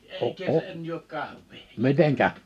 -- miten